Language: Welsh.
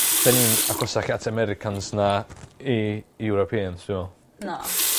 'Dan ni'n agosach at Americans na i Europeans dwi me'wl. Na.